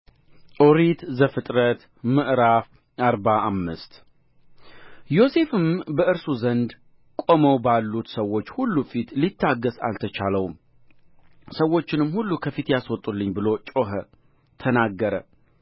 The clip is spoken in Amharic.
ኦሪት ዘፍጥረት ምዕራፍ አርባ አምስት ዮሴፍም በእርሱ ዘንድ ቆመው ባሉት ሰዎች ሁሉ ፊት ሊታገሥ አልተቻለውም ሰዎቹንም ሁሉ ከፊቴ አስወጡልኝ ብሎ ጮኾ ተናገረ